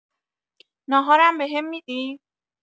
ناهارم بهم می‌دی؟